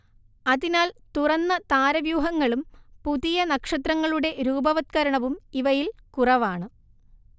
അതിനാൽ തുറന്ന താരവ്യൂഹങ്ങളും പുതിയ നക്ഷത്രങ്ങളുടെ രൂപവത്കരണവും ഇവയിൽ കുറവാണ്